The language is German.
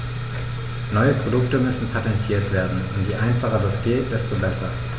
Neue Produkte müssen patentiert werden, und je einfacher das geht, desto besser.